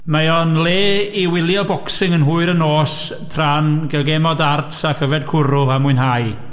Mae o'n le i wylio boxing yn hwyr yn nos, tra'n gael gêm o darts ac yfed cwrw a mwynhau.